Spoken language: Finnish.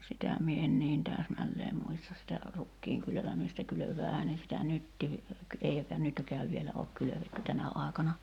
sitä minä en niin täsmälleen muista sitä rukiin kylvämistä kylväähän ne sitä nytkin eikä nytkään vielä ole kylvetty tänä aikana